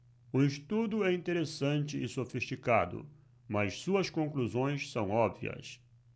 o estudo é interessante e sofisticado mas suas conclusões são óbvias